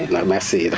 naaj ak yooyu